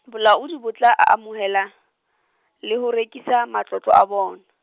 Bolaodi bo tla a- amohela , le ho rekisa matlotlo a bona.